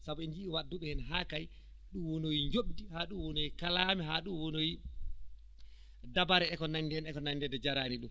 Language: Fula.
sabu en njiyii wadduɓe heen haa kay ɗum wonoyi njoɓdi haa ɗum wonoyi clamé haa ɗum wonoyi dabare e ko nanndi heen e ko nanndi de jaraani ɗuum